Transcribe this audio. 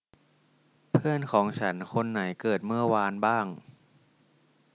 เพื่อนของฉันคนไหนเกิดเมื่อวานบ้าง